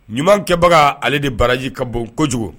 Ɲumankɛbaga ale de baraji ka bon kojugu